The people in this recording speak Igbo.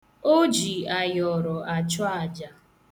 O ji ayọrọ achụ aja.